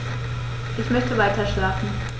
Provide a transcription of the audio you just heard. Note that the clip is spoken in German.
Ich möchte weiterschlafen.